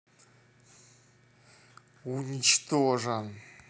уничтожен